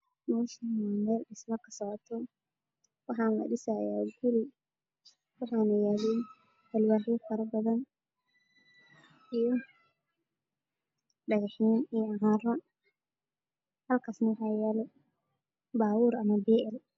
Waxaa meeshaan ka muuqda guryo la dhisayo waxaa dhulka yaalo alwaxyo waxaa waddada marayo gaari guriga la dhisayo waxaa saaran hal nin